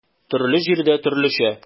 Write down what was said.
Төрле җирдә төрлечә.